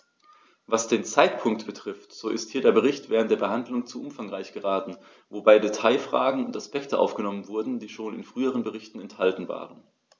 Was den Zeitpunkt betrifft, so ist hier der Bericht während der Behandlung zu umfangreich geraten, wobei Detailfragen und Aspekte aufgenommen wurden, die schon in früheren Berichten enthalten waren.